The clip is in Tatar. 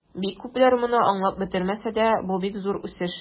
Бик күпләр моны аңлап бетермәсә дә, бу бик зур үсеш.